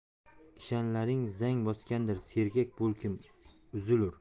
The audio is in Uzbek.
kishanlaring zang bosgandir sergak bo'lkim uzilur